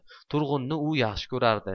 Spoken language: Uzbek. turg'unni u yaxshi ko'rardi